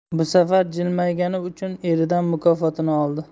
bu safar jilmaygani uchun eridan mukofotini oldi